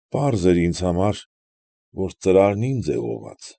Պարզ էր ինձ համար, որ ծրարն ինձ է ուղղված։